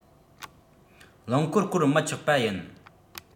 རླངས འཁོར སྐོར མི ཆོག པ ཡིན